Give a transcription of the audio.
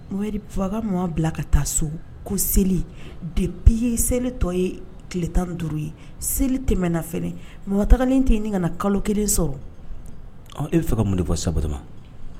N fa ka mɔgɔ bila ka taa so ko seli depi ye seli tɔ ye tile tan duuru ye seli tɛm mɔgɔtalen tɛ ne kana kalo kelen sɔrɔ e bɛ fɛ ka mun de bɔ sabama